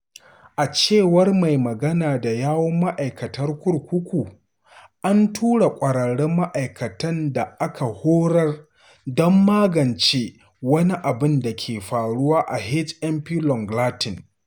A cewar mai magana da yawun Ma’aikatar Kurkuku: “An tura ƙwararrun ma’aikatan da aka horar don magance wani abin da ke faruwa a HMP Long Lartin.